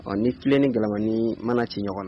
Ɔ ni filen ni gaman ni mana ci ɲɔgɔn na